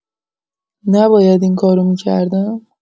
نباید این کارو می‌کردم؟